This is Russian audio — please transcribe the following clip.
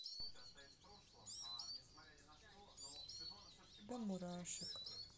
до мурашек